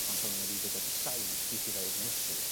Ond pan o'dd e ryw bedar deg saith gesh i ddeiagnosis...